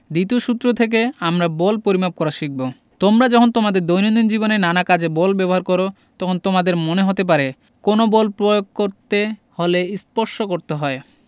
দ্বিতীয় সূত্র থেকে আমরা বল পরিমাপ করা শিখব তোমরা যখন তোমাদের দৈনন্দিন জীবনে নানা কাজে বল ব্যবহার করো তখন তোমাদের মনে হতে পারে কোনো কোনো বল প্রয়োগ করতে হলে স্পর্শ করতে হয়